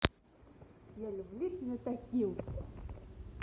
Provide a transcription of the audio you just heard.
я люблю тебя таким